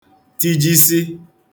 tijisị